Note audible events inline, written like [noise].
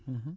[hesitation] [hesitation]